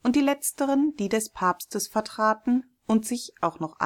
die Letzteren die des Papstes vertraten und sich auch noch